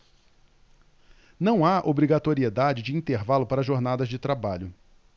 não há obrigatoriedade de intervalo para jornadas de trabalho